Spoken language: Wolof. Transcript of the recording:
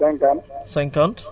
884